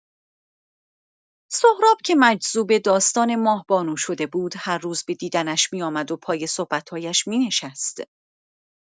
سهراب که مجذوب داستان ماه‌بانو شده بود، هر روز به دیدنش می‌آمد و پای صحبت‌هایش می‌نشست.